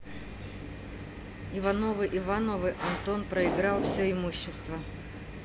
ивановы ивановы антон проиграл все имущество